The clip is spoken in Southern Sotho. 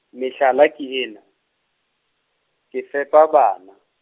mehla ke ena, ke fepa bana.